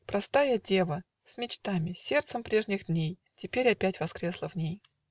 Простая дева, С мечтами, сердцем прежних дней, Теперь опять воскресла в ней.